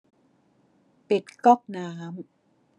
ปิดก๊อกน้ำ